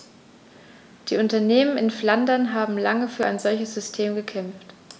Die Unternehmen in Flandern haben lange für ein solches System gekämpft.